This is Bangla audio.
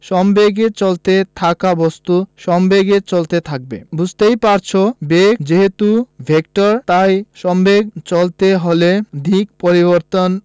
সমেবেগে চলতে থাকা বস্তু সমেবেগে চলতে থাকবে বুঝতেই পারছ বেগ যেহেতু ভেক্টর তাই সমবেগে চলতে হলে দিক পরিবর্তন